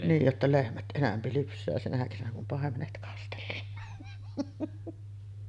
niin jotta lehmät enemmän lypsää sinä kesänä kun paimenet kastellaan